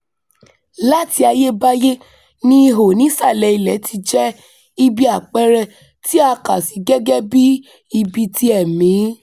Láti ayébáyé ni ihò nísàlẹ̀ ilẹ̀ ti jẹ́ ibi àpẹẹrẹ tí a kà sí gẹ́gẹ́ bí ibi ti ẹ̀mí.